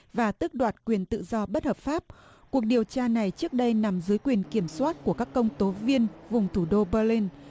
và tước đoạt quyền tự do bất hợp pháp cuộc điều tra này trước đây nằm dưới quyền kiểm soát của các công tố viên vùng thủ đô bơ lin